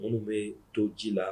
Minnu bɛ to ji la